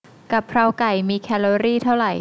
กะเพราไก่มีแคลอรี่เท่าไหร่